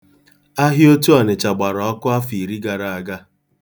Ahịa Otu Ọnịcha gbara ọkụ afọ iri gara aga.